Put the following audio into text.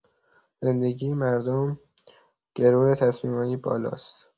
زندگی مردم گرو تصمیمای بالاست.